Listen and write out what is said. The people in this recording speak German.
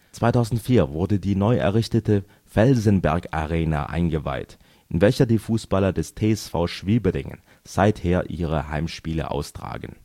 2004 wurde die neu errichtete Felsenberg-Arena eingeweiht, in welcher die Fußballer des TSV Schwieberdingen seither ihre Heimspiele austragen